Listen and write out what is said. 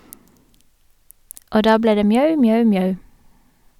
Og da ble det mjau, mjau, mjau.